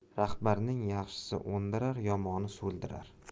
rahbarning yaxshisi undirar yomoni so'ldirar